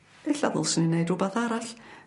e'lla' ddylswn i neud rwbath arall